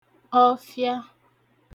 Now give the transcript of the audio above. ọfịa